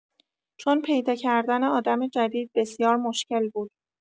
چون پیداکردن آدم جدید بسیار مشکل بود.